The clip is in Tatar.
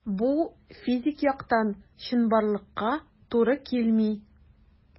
Бу физик яктан чынбарлыкка туры килми.